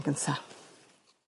...gynta.